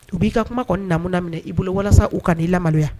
U b'i ka kuma kɔnɔ na minɛ i bolo walasa u ka i la maloya